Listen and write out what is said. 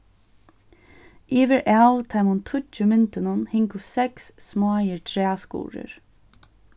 yvir av teimum tíggju myndunum hingu seks smáir træskurðir